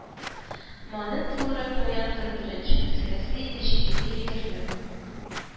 Маның тулырак вариантын беренче нөсхәсе иде шикелле егерме